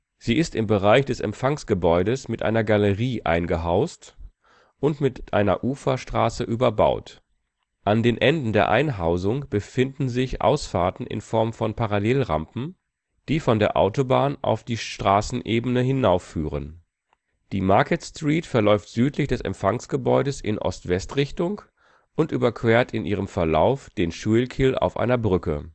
Sie ist im Bereich des Empfangsgebäudes mit einer Galerie eingehaust und mit einer Uferstraße überbaut. An den Enden der Einhausung befinden sich Ausfahrten in Form von Parallelrampen, die von der Autobahn auf die Straßenebene hinaufführen. Die Straßen rund um das Empfangsgebäude Die Market Street verläuft südlich des Empfangsgebäudes in Ost-West-Richtung und überquert in ihrem Verlauf den Schuylkill auf einer Brücke